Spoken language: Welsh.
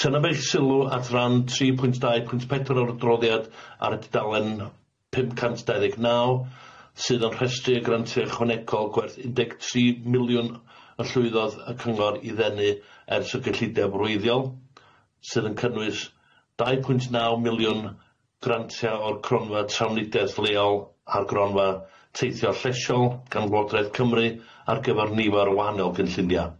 Tynaf eich sylw at ran tri pwynt dau pwynt pedwar o'r adroddiad ar y dudalen pum cant dau ddeg naw sydd yn rhestru y grantiau ychwanegol gwerth un deg tri miliwn y llwyddodd y cyngor i ddenu ers y gellided wreiddiol, sydd yn cynnwys dau pwynt naw miliwn grantiau o'r cronfa trafnidiaeth lleol a'r gronfa teithio'r llesiol gan wodredd Cymru ar gyfar nifer o wahanol gynllunia.